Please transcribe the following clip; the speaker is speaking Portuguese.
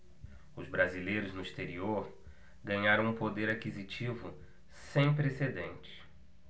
os brasileiros no exterior ganharam um poder aquisitivo sem precedentes